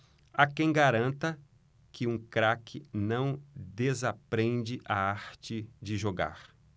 há quem garanta que um craque não desaprende a arte de jogar